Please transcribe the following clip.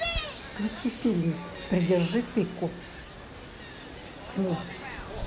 включи фильм придержи тьму